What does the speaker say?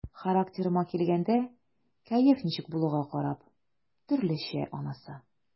Характерыма килгәндә, кәеф ничек булуга карап, төрлечә анысы.